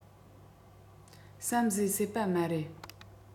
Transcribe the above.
བསམ བཟོས བསད པ མ རེད